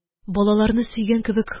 Балаларны сөйгән кебек,